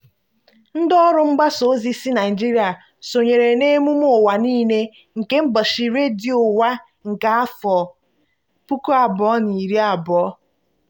Ndị ọrụ mgbasa ozi si Naịjirịa sonyere n'emume ụwa niile nke ụbọchị redio ụwa nke afọ 2020